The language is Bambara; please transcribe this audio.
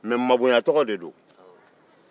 mɛ maabonyatɔgɔ de don